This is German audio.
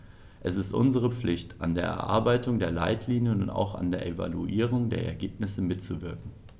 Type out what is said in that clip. Es ist unsere Pflicht, an der Erarbeitung der Leitlinien und auch an der Evaluierung der Ergebnisse mitzuwirken.